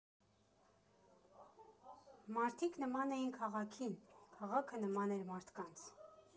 Մարդիկ նման էին քաղաքին, քաղաքը նման էր մարդկանց։